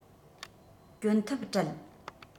གྱོན ཐབས བྲལ